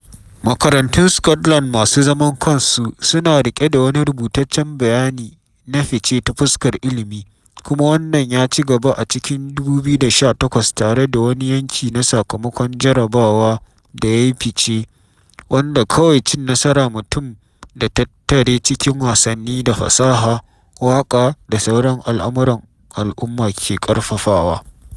Makarantun Scotland masu zaman kansu suna riƙe da wani rubutaccen bayani na fice ta fuskar ilmi, kuma wannan ya ci gaba a cikin 2018 tare da wani yanki na sakamakon jarrabawa da ta yi fice, wanda kawai cin nasara mutum da ta tare cikin wasanni, da fasaha, waƙa da sauran al’amuran al’umma ke ƙarfafawa.